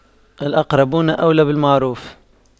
الأقربون أولى بالمعروف